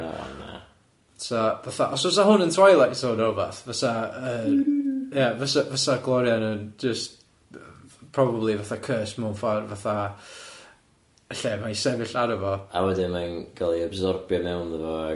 Na o na. So fatha os fysa hwn yn Twilight Zone neu wbath, fysa yy ia fysa fysa'r glorian yn jyst probably fatha cursed mewn ffordd fatha, lle mae'n sefyll arno fo... A wedyn mae'n cal ei ybsorbio mewn ddo fo ag yn